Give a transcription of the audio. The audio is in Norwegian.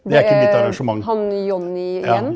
det er han Johnny Yen?